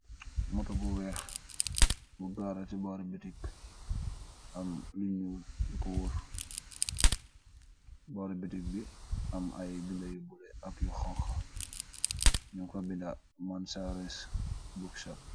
Motor bu wekh, bu gaaareh ci bori boutique, am lu njull lukor worrr, bori boutique bii am aiiy binda yu bleu ak yu honha, njung fa binda monsalaris bookshop.